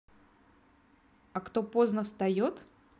а кто поздно встает